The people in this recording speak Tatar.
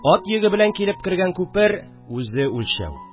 Ат йөге белән килеп кергән күпер – үзе үлчәү